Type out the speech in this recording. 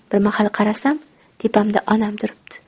bir mahal qarasam tepamda onam turibdi